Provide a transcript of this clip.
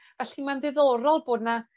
Felly ma'n ddiddorol bod 'na